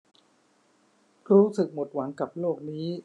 รู้สึกหมดหวังกับโลกนี้